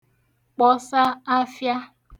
kpọsa afịa